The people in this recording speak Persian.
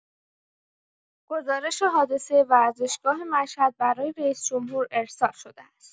گزارش حادثه ورزشگاه مشهد برای رئیس‌جمهور ارسال شده است.